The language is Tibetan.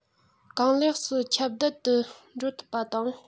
གང ལེགས སུ ཁྱབ གདལ དུ འགྲོ ཐུབ པ དང